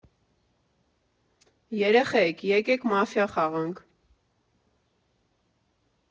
Երեխեք, եկեք մաֆիա խաղանք։